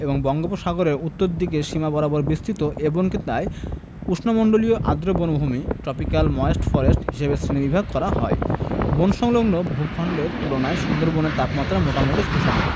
এবং বঙ্গোপসাগর এর উত্তর দিকের সীমা বরাবর বিস্তৃত এ বনকে তাই উষ্ণমন্ডলীয় আর্দ্র বনভূমি ট্রপিক্যাল ময়েস্ট ফরেস্ট হিসেবে শ্রেণিবিভাগ করা হয় বনসংলগ্ন ভূখন্ডের তুলনায় সুন্দরবনের তাপমাত্রা মোটামুটি সুষম